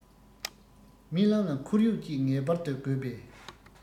རྨི ལམ ལ ཁོར ཡུག ཅིག ངེས པར དུ དགོས པས